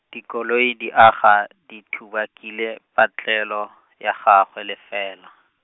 dikoloi di aga, di tubakile patlelo, ya gagwe lefela.